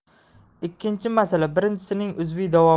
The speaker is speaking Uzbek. ikkinchi masala birinchisining uzviy davomidir